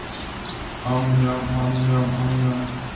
ам ням ам ням ам ням